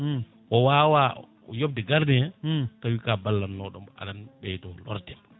o wawa yode gardien tawi ka ballannoɗomo aɗa ɓeydo wardemo